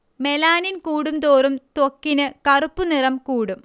melanin കൂടുംതോറും ത്വക്കിന് കറുപ്പു നിറം കൂടും